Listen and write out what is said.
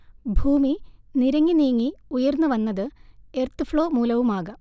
ഭൂമി നിരങ്ങി നീങ്ങി ഉയർന്നുവന്നത് എർത്ത്ഫ്ളോ മൂലവുമാകാം